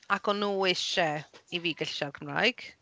ac o'n nhw isie i fi gallu siarad Cymraeg.